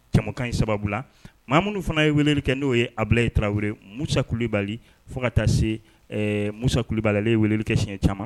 Jɛmukan in sababu la ma minnu fana ye weleli kɛ n'o ye Abilaye tarawele, Musa Kulubali fo ka taa se Musa kulubali, ale ye weleli kɛ siɲɛ caaman.